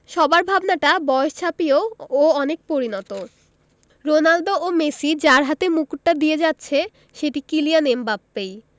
সবার ভাবনাটা বয়স ছাপিয়েও ও অনেক পরিণত রোনালদো ও মেসি যার হাতে মুকুটটা দিয়ে যাচ্ছে সেটি কিলিয়ান এমবাপ্পেই